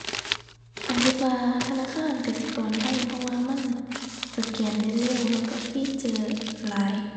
ข้อยคิดว่าธนาคารกสิกรไทย เพราะว่ามันสแกนได้เร็วแล้วก็ฟีเจอร์หลาย